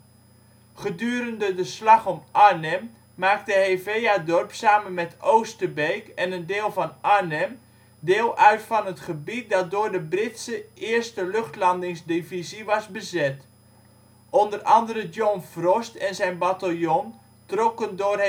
Gedurende de Slag om Arnhem maakte Heveadorp samen met Oosterbeek en een deel van Arnhem deel uit van het gebied dat door de Britse 1e Luchtlandingsdivisie was bezet. Onder andere John Frost en zijn bataljon trokken door